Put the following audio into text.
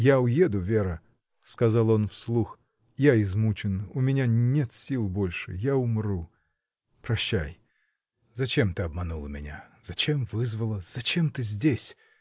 — Я уеду, Вера, — сказал он вслух, — я измучен, у меня нет сил больше, я умру. Прощай! зачем ты обманула меня? зачем вызвала? зачем ты здесь?